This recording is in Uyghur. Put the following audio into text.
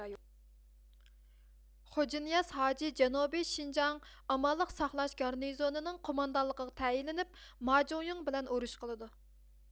خوج انىياز ھاجى جەنۇبىي شىنجاڭ ئامانلىق ساقلاش گارنىزونىنىڭ قوماندانلىقىغا تەيىنلىنىپ ما جۇڭيىڭ بىلەن ئۇرۇش قىلىدۇ